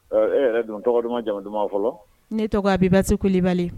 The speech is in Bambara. Ɔ e yɛrɛ dun tɔgɔ duman jamu duman fɔlɔ? Ne tɔgɔ ye Abibatu Kulibali.